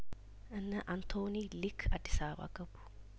እነ አንቶኒ ሊክ አዲስ አበባ ገቡ